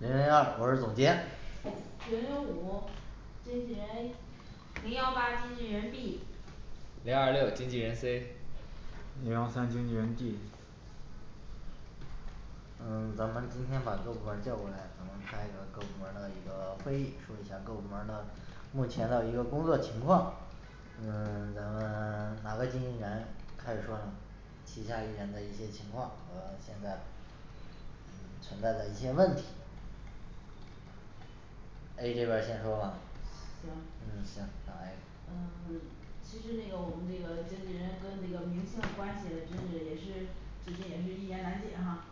零零二我是总监零零五经纪人A 零幺八经纪人B 零二六经纪人C 零幺三经纪人D 嗯咱们今天把各部门儿叫过来咱们开一个各部门儿的一个会议说一下各部门儿的目前的一个工作情况嗯 咱们 哪个经纪人开始说呢旗下艺人的一些情况和现在存在的一些问题 A这边儿先说吧行嗯行来嗯 其实那个我们那个经纪人跟这个明星的关系真是也是之间也是一言难尽哈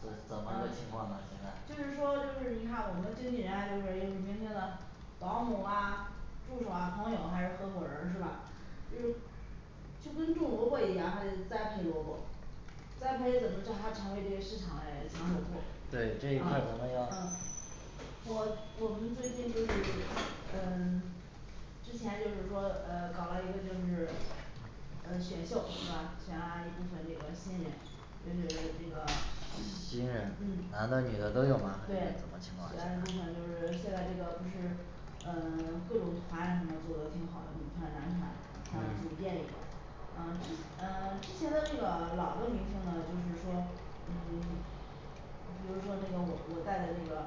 怎嗯怎么个嗯情况呢现在就是说就是你看我们经纪人啊又是又是明星的保姆啊助手啊朋友还是合伙人儿是吧就是就跟种萝卜一样还得栽培萝卜栽培怎么叫她成为这市场嘞抢手货对这一块咱嗯们要嗯我我们最近就是嗯 之前就是说呃搞了一个就是嗯选秀是吧选了一部分这个新人就是这个 新人嗯男的女的都有吗对选了一部分就是现在这个不怎么情是选了况一部分就是现在这个不是嗯 各种团什么做的挺好的女团男团想组建一个呃嗯之前的那个老的明星呢就是说嗯 比如说那个我我带的这个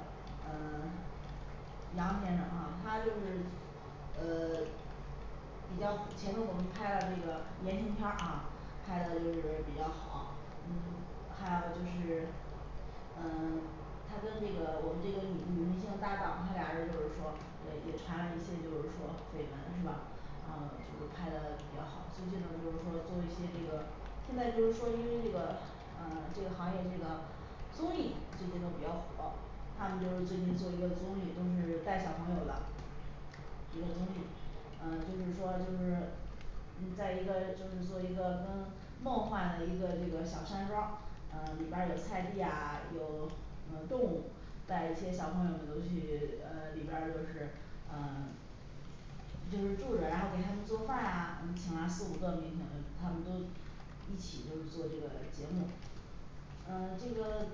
嗯 杨先生哈他就是呃 比较前头我们拍了这个言情片儿啊拍的就是比较好嗯还有就是嗯 他跟这个我们这个女女明星搭档他俩人儿就是说也也传了一些就是说绯闻是吧然后就是拍的比较好最近呢就是说做一些这个现在就是说因为这个嗯 这个行业这个综艺最近都比较火他们就是最近做一个综艺就是带小朋友的一个综艺嗯就是说就是嗯在一个就是做一个跟梦幻的一个这个小山庄儿嗯里边儿有菜地呀有嗯动物带一些小朋友们都去嗯里边儿就是嗯 就是住着然后给他们做饭呀我们请来四五个明星就他们都一起就是做这个节目嗯 这个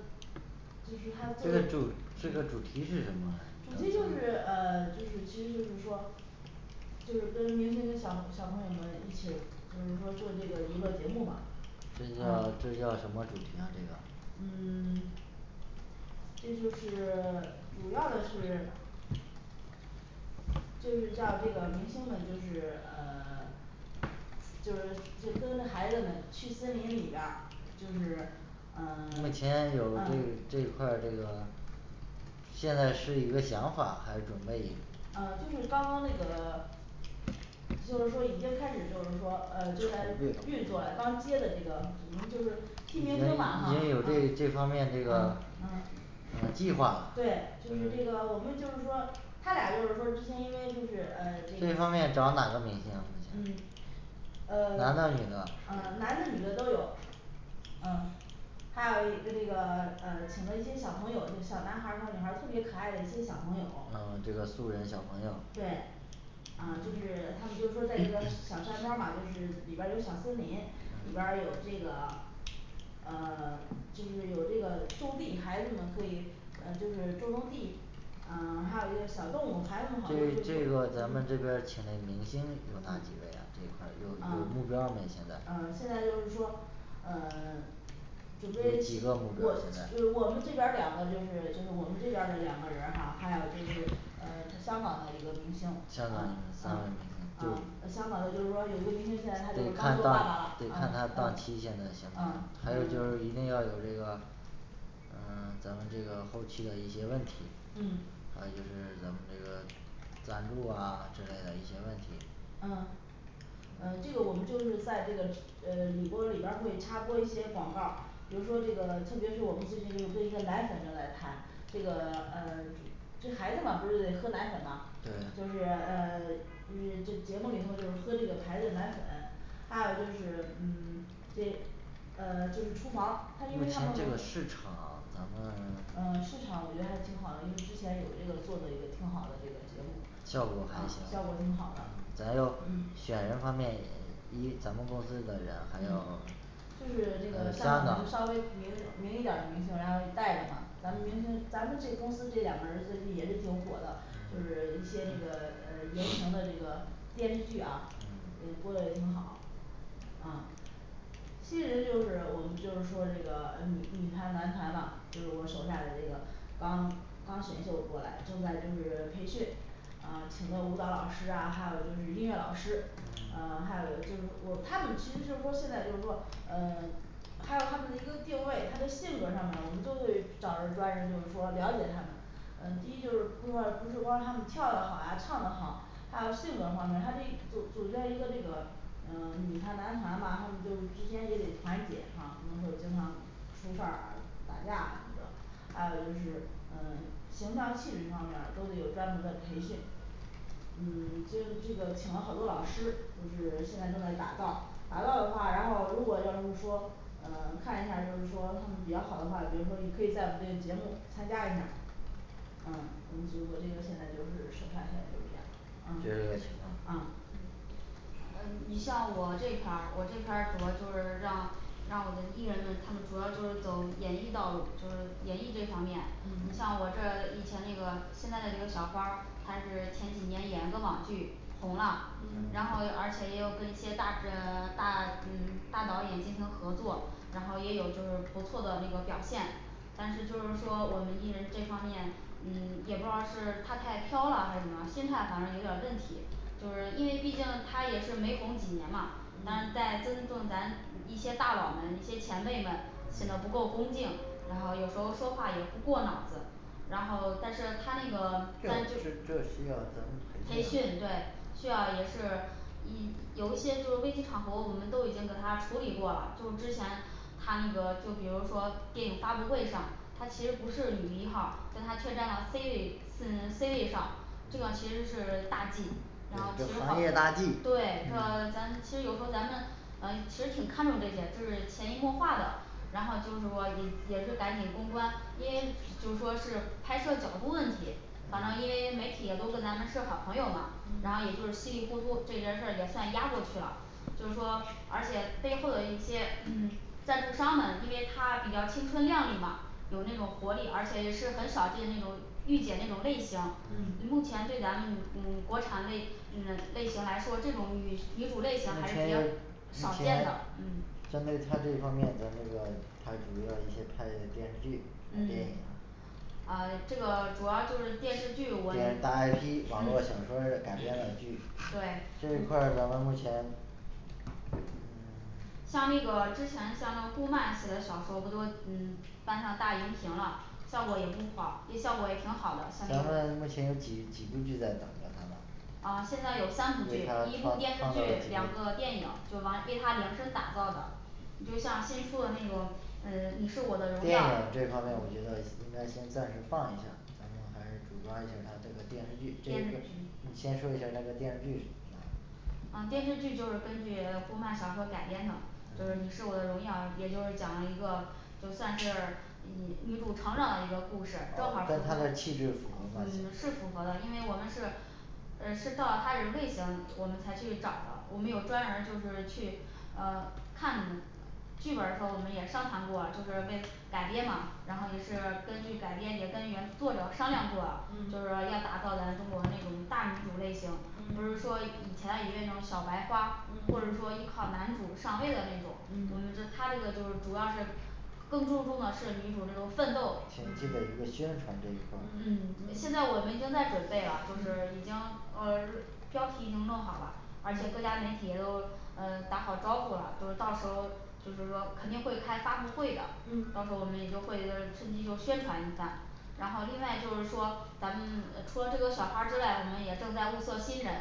就是他这个做主这个主题是什么主题就是呃就是其实就是说就是跟明星跟小小朋友们一起就是说做这个娱乐节目嘛这叫呃这叫什么主题呢这个嗯 这就是 主要的是就是叫这个明星们就是呃 就是就跟那孩子们去森林里边儿就是嗯 目前有这个嗯这一块儿这个现在是一个想法还是准备嗯就是刚刚那个就是说已经开始就是说呃正在运运作作刚接的这个只能就是已经新年已轻吧啊经嗯有这这方面这个嗯嗯计划对就是这个我们就是说他俩就是说之前因为就是嗯这个这方面找哪个明星嗯呃 男的女的嗯男的女的都有嗯还有一这个 嗯请了一些小朋友就小男孩儿小女孩儿特别可爱的一些小朋友嗯这个素人小朋友对啊就是他们就说在一个小山庄儿吧就是里边儿有小森林里边儿有这个呃 就是有这个种地孩子们可以嗯就是种种地嗯 还有一些小动物孩子们好多这就这是个咱们嗯这边儿请的明星有哪几位嗯呀这一块儿有有目嗯标没现在呃现在就是说嗯 准有备几个目标现在我我们这边儿两个就是就是我们这边儿的两个人儿哈还有就是呃它香港的一个明星香港的明嗯星嗯嗯呃香港的就是说有一位明星现在他就是对刚看做爸爸了档嗯对看他的档嗯期现在先嗯还有就是一呃定要有这个嗯 咱们这个后期的一些问题嗯还有就是咱们这个赞助啊这类的一些问题嗯嗯这个我们就是在这个嗯里播里边儿会插播一些广告儿比如说这个特别是我们最近就对一个奶粉的来插这个呃 就其实孩子嘛不是得喝奶粉嘛对就是嗯 就是这节目里头就是喝这个牌子的奶粉还有就是嗯 对嗯就是厨房他因目为他们前这个有市场咱们嗯市场我觉得还挺好的因为之前有这个做的一个挺好的这个节目效嗯果还行效果挺好的咱又嗯选人方面一咱们公司的人还有 嗯就是那个香港的一个稍微名名一点儿的明星然后带着嘛咱们明星咱们这公司这两个人儿最近也是挺火的 就是一些那个呃言情的这个电视剧啊嗯播的也挺好嗯新人就是我们就是说这个女女团男团嘛就是我手下的这个刚刚选秀过来正在就是培训呃请的舞蹈老师啊还有就是音乐老师嗯 还有就是我他们其实就是说现在就是说嗯 还有他们的一个定位他的性格上面我们都会找人儿专人就是说了解他们嗯第一就是另外不是光他们跳得好呀唱得好还有性格方面他这一组组在一个这个嗯女团男团嘛他们就之间也得团结哈不能说经常出事儿啊打架怎么着还有就是嗯形象气质方面儿都得有专门的培训嗯 就是这个请了好多老师就是现在正在打造打造的话然后如果要是说嗯 看一下就是说他们比较好的话比如说也可以在我们这个节目参加一下儿嗯我们结果这个现在就是手下现在就是这样就嗯是这个情况啊呃你像我这片儿我这片儿主要就是让让我的艺人们他们主要就是走演艺道路就是演艺这方面你嗯像我这儿以前那个现在的这个小花儿她是前几年演个网剧红了嗯然后而且也有跟一些大制 大嗯大导演进行合作然后也有就是不错的那个表现但是就是说我们艺人这方面嗯也不知道是她太飘了还是怎么样心态好像有点儿问题就是因为毕竟她也是没红几年嘛但嗯在尊重咱一些大佬们一些前辈们显得不够恭敬然后有时候说话也不过脑子然后但是她那个这但是是这需要咱们培培训训她对需要也是一有一些就是危机场合我们都已经给她处理过了就之前她那个就比如说电影发布会上她其实不是女一号儿但她却站了C位嗯C位上这个其实是大忌对然后其这实是好行业大忌对这个咱其实有时候咱们啊其实挺看重这些就是潜移默化的然后就是说也也是赶紧公关因为就说是拍摄角度问题反正因为媒体也都跟咱们是好朋友嘛然后也嗯就稀里糊涂这件事儿也算压过去了就是说而且背后的一些 赞助商们因为她比较青春靓丽嘛有那种活力而且也是很少见那种御姐那种类型嗯目前对咱们嗯国产类嗯类类型来说这种女女主类目型还是前比较有一少见些的嗯针对她这方面咱这个她主要一些参演电视剧和电嗯影啊这个主要就是电视剧我搭IP 网络小嗯说儿改编的剧对这一块儿咱们目前像那个之前像那顾漫写的小说不都嗯搬上大荧屏了效果也不好也效果也挺好的像那咱个们目前几几部剧在那儿在她那儿啊现在有为她三部剧一部创电视创造的剧剧两个电影就完为她量身打造的你就像新出的那种嗯你是我的荣电耀影儿这方面我觉嗯得应该先暂时放一下儿咱们还是主抓一下她这个电视剧电视你屏先说一下儿她的电视剧啊电视剧就是根据呃顾漫小说儿改编的就是你是我的荣耀也就是讲了一个就算是嗯女主成长的一个故事正好儿啊跟符她合的气质符合嗯吗是符合的因为我们是呃是照着她这种类型我们才去找的我们有专人儿就是去呃看他们剧本儿时候我们也商谈过就是为改编嘛然后也是根据改编也跟原作者商量过了就嗯是说要打造咱中国那种大女主类型不是嗯说以前的一味那种小白花或者嗯说依靠男主上位的那种我们嗯的她这个就是主要是更注重的是女主那种奋斗要记嗯得一个宣传这一块嗯儿嗯现在我们已经在准备了就是已经呃标题已经弄好了而且各家媒体也都嗯打好招呼了就是到时候儿就是说肯定会开发布会的嗯到时候我们也就会趁机就宣传一番然后另外就是说咱们呃除了这个小花之外我们也正在物色新人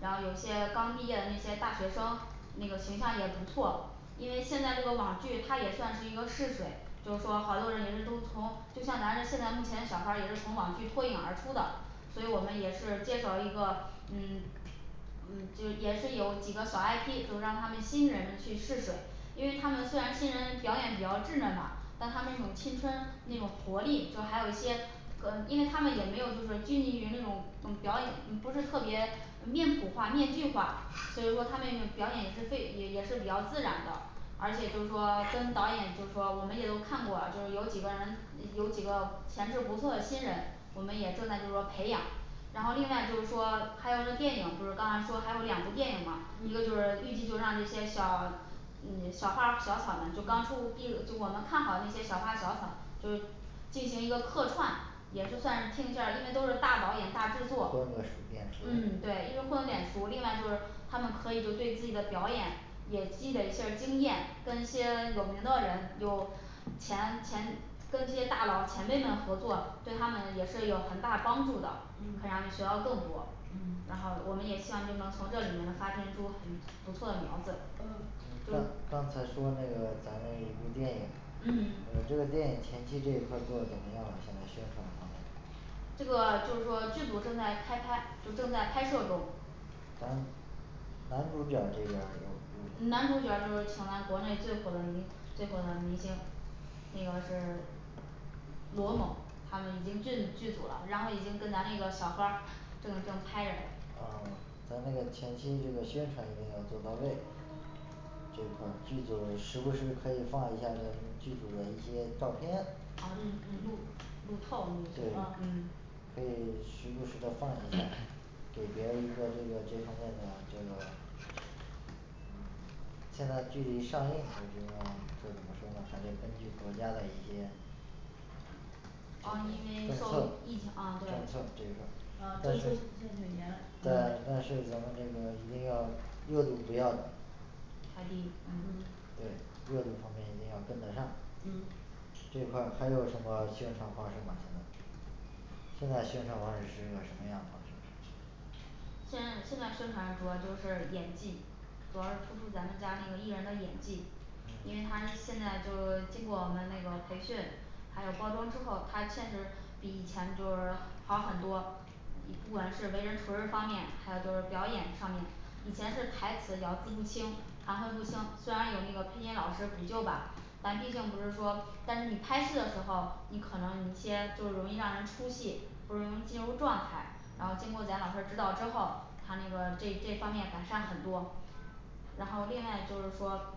然后有些刚毕业的那些大学生那个形象也不错因为现在这个网剧它也算是一个试水就是说好多人也是都从就像咱现在目前小花儿也是从网剧脱颖而出的所以我们也是接手了一个嗯嗯这也是有几个小I T都让他们新人们去试水因为他们虽然新人表演比较稚嫩吧但他们那种青春那种活力就还有一些跟因为他们也没有就是拘泥于那种嗯表演嗯不是特别嗯面谱化面具化所以说他们表演也是对也也是比较自然的而且就是说跟导演就是说我们也都看过了就是有几个人有几个潜质不错的新人我们也正在就是说培养然后另外就是说还有那电影就是刚才说还有两部电影嘛一个就嗯是预计就让那些小嗯小花小草们就刚出嗯壁 就我们看好的那些小花小草就进行一个客串也是算是听一下儿因为都是大导演大制作混个熟脸熟嗯对一是混脸熟另外就是他们可以就对自己的表演也积累一下儿经验跟些有名的人有前前跟这些大佬前辈们合作对他们也是有很大帮助的可以嗯让你学到更多嗯然后我们也希望就能从这里面发现出很不错的苗子嗯就是刚刚才说那个咱们有一部电影嗯那这个电影前期这一块儿做的怎么样现在宣传方面这个就是说剧组正在开拍就正在拍摄中男男主角这边儿男主角儿就是请咱国内最火的明最火的明星那个是罗某他们已经进剧组了然后已经跟咱那个小花儿正正拍着嘞哦咱那个前期这个宣传一定要做到位这块儿剧组时不时可以放一下这剧组的一些照片啊嗯路路嗯路透那些啊对嗯可以时不时的放一下 给别人一个这个这方面儿的这个现在距离上映这个这怎么说呢还得根据国家的一些这个政策政策这块哦因为受疫情啊对啊儿政挺策严嘞但嗯但是咱们那个一定要热度不要太低嗯嗯对热度方面一定要跟的上嗯这块儿还有什么宣传方式吗咱们现在宣传方式是一个什么样的方式现在现在宣传主要就是演技主要是突出咱们家那个艺人的演技因为她现在就是经过我们那个培训还有包装之后她确实比以前就是好很多不管是为人处事方面还有就是表演上面以前是台词咬字不清含糊不清虽然有那个配音老师补救吧但毕竟不是说但是你拍戏的时候你可能一些就是容易让人出戏不容易进入状态然后经过咱老师指导之后他那个这这方面改善很多然后另外就是说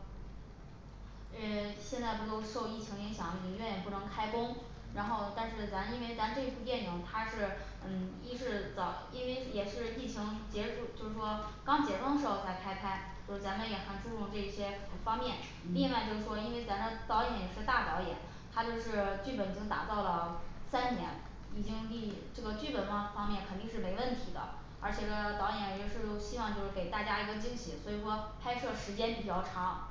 诶 现在不都受疫情影响影院也不能开工然后但是咱因为咱这次电影它是嗯一是早因为也是疫情结束就是说刚解封时候才开拍就是咱们也很注重这一些方面另嗯外就是说因为咱这导演也是大导演他就是剧本已经打造了三年已经离这个剧本方方面肯定是没问题的而且这导演也是有希望就是给大家一个惊喜所以说拍摄时间比较长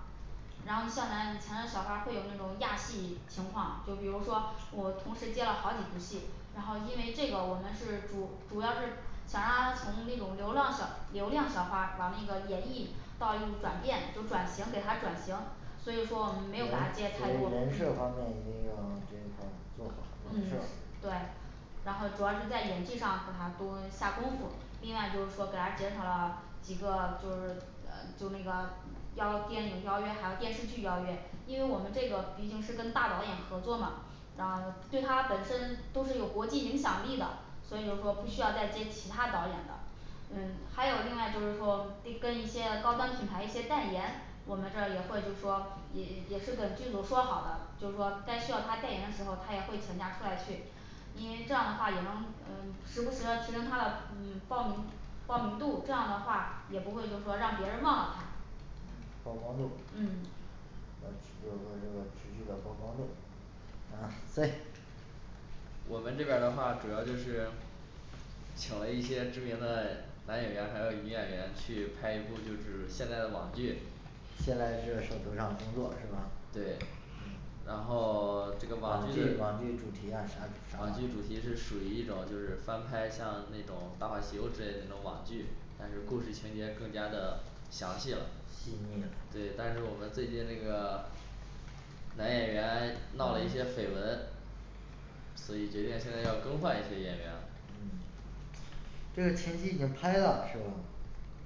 然后像咱以前的小花儿会有那种轧戏情况就比如说我同时接了好几部戏然后因为这个我们是主主要是想让她从那种流浪小流量小花儿往那个演艺道路转变就转型给她转型所以说我人所以们没有给她接太多人设方嗯面一定要这块儿做好嗯人设对然后主要是在演技上给她多下功夫另外就是说给她减少了几个就是呃就那个邀电影邀约还有电视剧邀约因为我们这个毕竟是跟大导演合作嘛然后对她本身都是有国际影响力的所以就是说不需要再接其他导演的嗯还有另外就是说低 跟一些高端品牌一些代言我们这儿也会就说也也是跟剧组说好的就是说该需要她代言的时候她也会请假出来去因为这样的话也能嗯时不时的提升她的嗯曝名曝名度这样的话也不会就是说让别人忘了她曝光度嗯啊就是说这个持续的曝光度行了C 我们这边儿的话主要就是请了一些知名的男演员还有女演员去拍一部就是现在的网剧先来设设图上定做是吗对然后 这个网网剧的剧网剧主题呢啥网主题剧主题是属于一种就是翻拍像那种大话西游之类的那种网剧但是故事情节更加的详细了细腻了对但是我们最近那个男演员闹了一嗯些绯闻所以决定现在要更换一些演员嗯这个前期已经拍啦是吧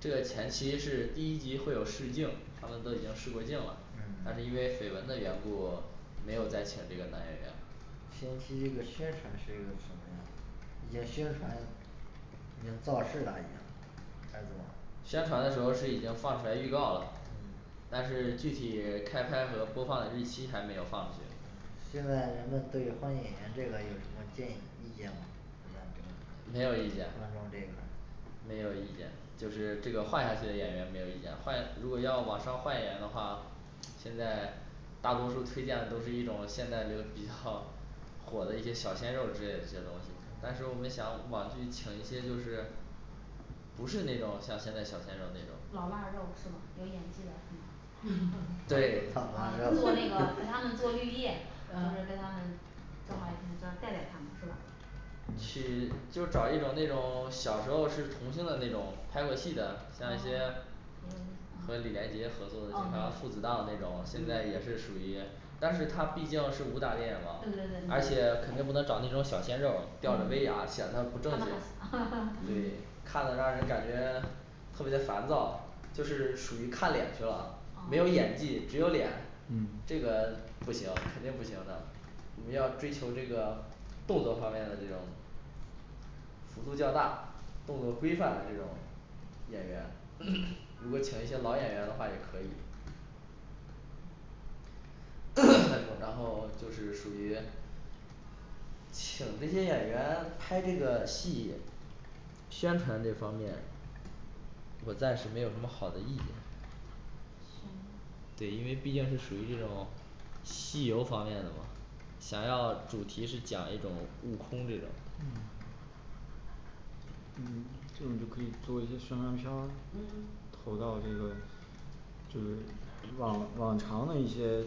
这个前期是第一集会有试镜他们都已经试过镜了但是嗯因为绯闻的缘故没有再请这个男演员前期的宣传是一个什么样毕竟宣传有造势吗太多了宣传的时候是已经放出来预告了嗯但是具体开拍和播放的日期还没有放出去现在人们对换演员这个有什么建议意见吗到时候儿没有意见观众那个没有意见就是这个换下去的演员没有意见换如果要往上换演员的话现在大多数推荐的都是一种现在就比较 火的一些小鲜肉儿之类的这种东西但是我们想网剧请一些就是不是那种像现在小鲜肉那种老腊肉是吗有演技的是吗呃 对啊做那个给他们做绿叶呃或者给他们正好也可以带带他们是吧去就是找一种那种小时候是童星的那种拍过戏的像一些噢和李连杰合作的就像啊父子档那种现在也嗯是属于但是它毕竟是武打电影儿嘛对对对而嗯且肯定不能找那种小鲜肉吊着威嗯亚显得不正他经们还 对嗯看了让人感觉特别的烦躁就是属于看脸去了没有噢演技只有脸这嗯个不行肯定不行的我们要追求这个动作方面的这种幅度较大动作规范的这种演员 如果请一些老演员的话也可以 然后就是属于请这些演员拍这个戏宣传这方面我暂时没有什么好的意见行对因为毕竟是属于这种西游方面的嘛想要主题是讲一种悟空这种嗯嗯这里就可以做一些宣传片儿嗯补到这个就是往往常的一些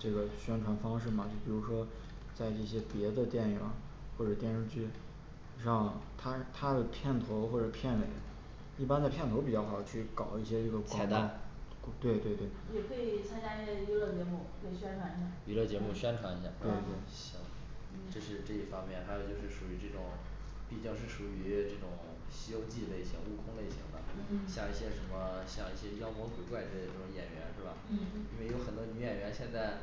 这个宣传方式嘛你比如说在一些别的电影儿或者电视剧让它它的片头儿或者片尾一般的片头儿比较好去搞一些这个彩蛋对对对也可以参加一些娱乐节目就宣传一下儿娱乐节目宣嗯传下嗯行就嗯是这一方面还有就是属于这种毕竟是属于这种西游记类型悟空类型的嗯嗯像一些什么像一些妖魔鬼怪这种演员是吧嗯嗯因为有很多女演员现在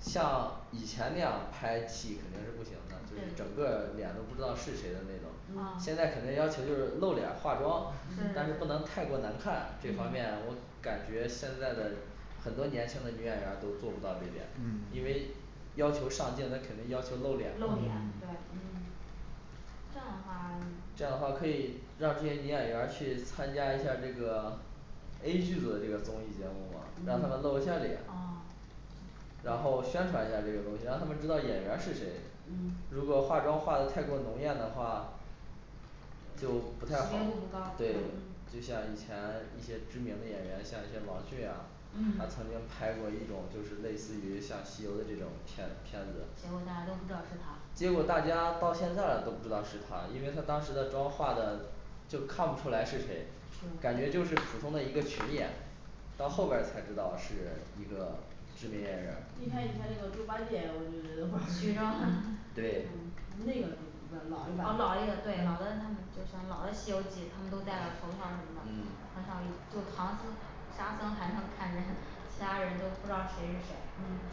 像以前那样拍戏肯定是不行的就是对整个儿脸都不知道是谁的那种啊嗯现在肯定要求就是露脸儿化妆是是但是不是能太过难看这方面嗯我感觉现在的很多年轻的女演员儿都做不到这点因嗯为要求上镜那肯定要求露露脸脸对嗯这样的话这样的话可以让这些女演员儿去参加一下儿这个 A剧组的这个综艺节目嘛让她们嗯露一下脸噢然后宣传一下这个东西让他们知道演员儿是谁嗯如果化妆化的太过浓艳的话就识别度不太好不高对嗯嗯就像以前一些知名的演员像一些王迅呀他嗯曾经拍过一种就是类似于像西游的这种片片子结果大家都不知道是她结果大家到现在了都不知道是她因为她当时的妆画的就看不出来是谁感觉是吧就是普通的一个群演到后边儿才知道是一个知名演员儿你看以前那个猪八戒我就觉得 嗯对那个就老啊老一版老一对老的他们就像老的西游记他们都戴了头套儿什么的嗯很少就唐僧沙僧还能看人 其他人都不知道谁是谁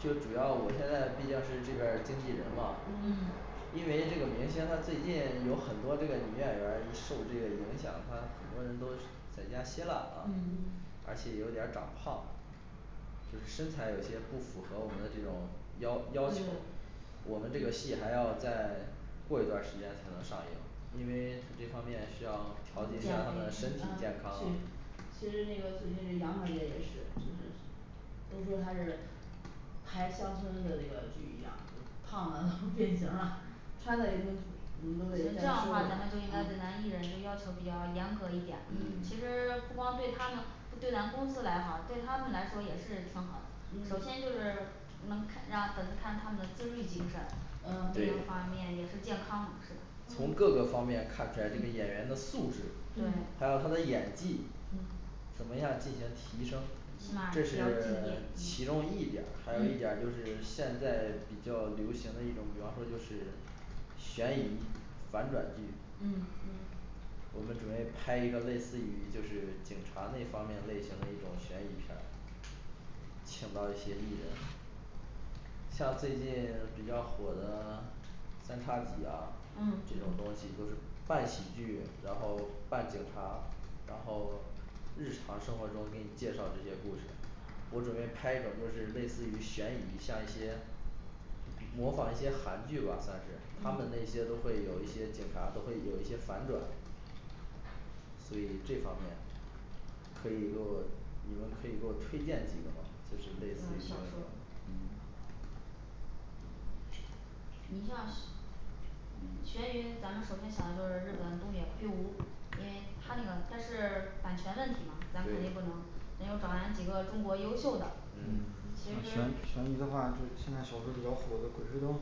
嗯主要我现在毕竟是这边儿的经纪人嘛嗯嗯因为这个明星她最近有很多这个女演员儿受这个影响她很多人都在家歇懒了嗯嗯而且有点儿长胖就是身材有些不符合我们的这种要要求对对我们这个戏还要再过一段儿时间才能上映因为她这方面需要调节一下她减肥的身体健嗯康是其实那个最近这杨小姐也是就是都说她是拍乡村的这个剧一样就胖的 都变形儿了穿的也挺土你们都那得这这样样说话咱们就应我该对咱艺人就要求比较严格一点其嗯实不光对他们对咱公司来哈对他们来说也是挺好的首嗯先就是能看让粉丝看到他们的自律精神嗯另一对方面也是健康是吧嗯从各个方面看出来这个演员的素质还对有他的演技怎么样进行提升起码比这是较敬业 其嗯中的一点儿还有一点儿嗯就是现在比较流行的一种比方说就是悬疑反转剧嗯嗯我们准备拍一个类似于就是警察那方面类型的一种悬疑片儿请到一些艺人像最近 比较火的 三叉戟呀嗯这种东嗯西都是半喜剧然后半警察然后日常生活中给你介绍这些故事我准备拍一种就是类似于悬疑像一些模仿一些韩剧吧算是他们嗯那些都会有一些警察都会有一些反转所以这方面可以给我你们可以给我推荐几个吗就是类似于嗯那小种说儿嗯你像嗯悬疑咱们首先想的就是日本东野圭吾因为他那个但是版权问题嘛咱肯定不能对那就找咱几个中国优秀的嗯其悬实悬疑的话就是现在小说比较火的鬼吹灯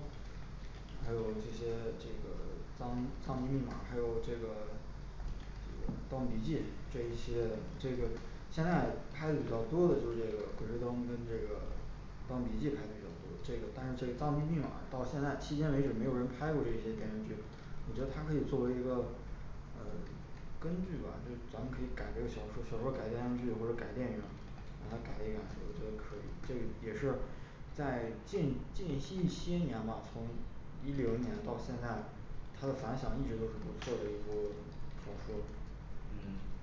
还有这些这个脏藏地密码儿还有这个盗墓笔记这些这个现在拍的比较多的就是这个鬼吹灯跟这个盗墓笔记拍的比较多这个但是这盗墓密码儿到现在迄今为止没有人拍过这些电视剧我觉得他可以作为一个嗯根据吧就是咱们可以改编小说儿小说儿改电视剧或者是改电影让他改一改我觉得可以这个也是在近近些一些年吧从一零年到现在它的反响一直都挺不错的一部小说嗯